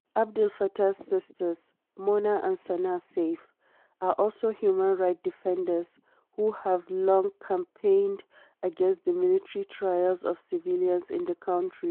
Abd El Fattah’s sisters, Mona and Sanaa Seif, are also human rights defenders who have long campaigned against the military trials of civilians in the country.